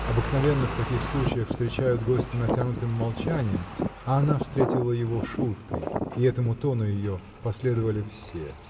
Обыкновенно в таких случаях встречают гостя натянутым молчанием, а она встретила его шуткой, и этому тону ее последовали все.